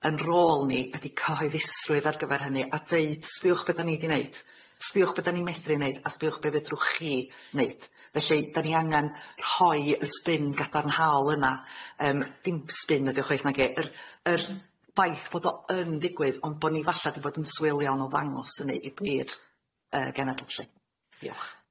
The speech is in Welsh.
'yn rôl ni ydi cyhoeddusrwydd ar gyfer hynny a deud sbiwch be' 'dan ni 'di neud sbiwch be' 'dan ni'n medru neud a sbiwch be' fedrwch chi neud felly 'da ni angan rhoi y sbin gadarnhaol yna yym dim sbin ydi o chwaith nage yr yr ffaith bod o yn ddigwydd ond bo ni falla di bod yn swil iawn o ddangos hynny i i'r yy genedl lly.